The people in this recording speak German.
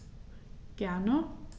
Gerne.